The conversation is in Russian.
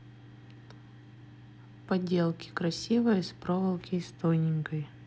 поделки красивые из проволоки из тоненькой